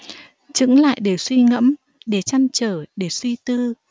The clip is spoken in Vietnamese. chững lại để suy ngẫm để trăn trở để suy tư